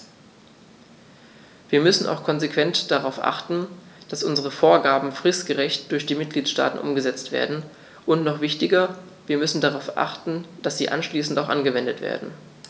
Wir müssen auch konsequent darauf achten, dass unsere Vorgaben fristgerecht durch die Mitgliedstaaten umgesetzt werden, und noch wichtiger, wir müssen darauf achten, dass sie anschließend auch angewendet werden.